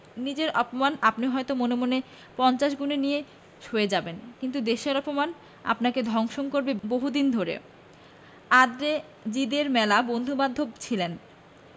নিজের অপমান আপনি হয়ত মনে মনে পঞ্চাশ গুণে নিয়ে সয়ে যাবেন কিন্তু দেশের অপমান আপনাকে দংশন করবে বহুদিন ধরে আঁদ্রে জিদে র মেলা বন্ধুবান্ধব ছিলেন